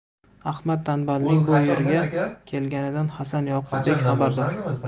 ahmad tanbalning bu yerga kelganidan hasan yoqubbek xabardor